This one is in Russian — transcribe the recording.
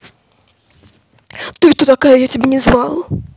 ты кто такая я тебя не звал